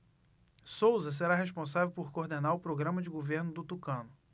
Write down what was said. souza será responsável por coordenar o programa de governo do tucano